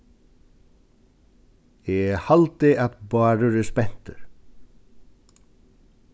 eg haldi at bárður er spentur